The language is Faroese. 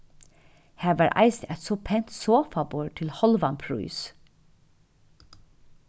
har var eisini eitt so pent sofaborð til hálvan prís